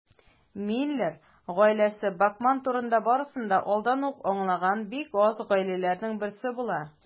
Миллер гаиләсе Бакман турында барысын да алдан ук аңлаган бик аз гаиләләрнең берсе була.